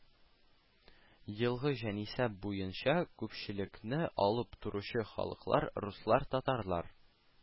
Елгы җанисәп буенча күпчелекне алып торучы халыклар: руслар , татарлар